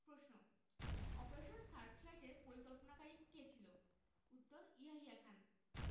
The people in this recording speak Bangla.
প্রশ্ন অপারেশন সার্চলাইটের পরিকল্পনাকারী কে ছিল উত্তর ইয়াহিয়া খান